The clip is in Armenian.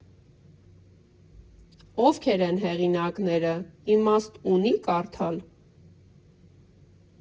Ովքե՞ր են հեղինակները, իմաստ ունի՞ կարդալ։